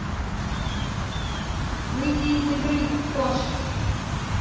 выйди из игры пож